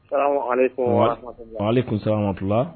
' ko tila